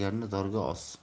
zargarni dorga os